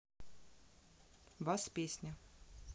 вас песня